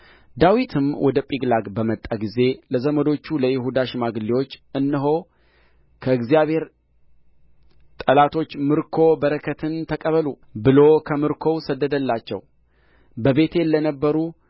ዳዊትም ወደ ጺቅላግ በመጣ ጊዜ ለዘመዶቹ ለይሁዳ ሽማግሌዎች እነሆ ከእግዚአብሔር ጠላቶች ምርኮ በረከትን ተቀበሉ ብሎ ከምርኮው ሰደደላቸው በቤቴል ለነበሩ